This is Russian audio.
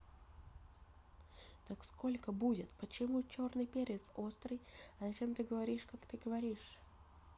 так сколько будет почему черный перец острый а зачем ты говоришь как ты говоришь